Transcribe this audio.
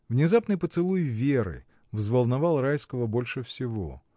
Внезапный поцелуй Веры взволновал Райского больше всего.